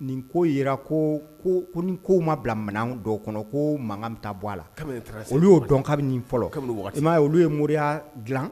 Nin ko jira ko ko ni ko ma bila m dɔw kɔnɔ ko mankan bɛ taa bɔ a la olu dɔn fɔlɔ ye moriya dilan